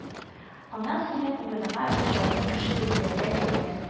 Аннан синең урыныңа бер җаваплы кеше билгеләргә кирәк